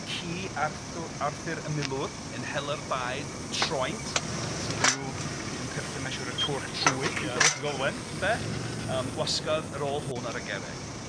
ci Arthw- Arthur y Milwr yn hela'r baedd troent sydd yn rw yn perthyn mae'n siŵr y twrch trwyth... Ia. yn Cilwch ac olwen ynde? Yym gwasgodd yr ôl hwn ar y gerrig.